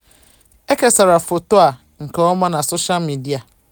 E kesara foto a nke ọma na soshal midịa.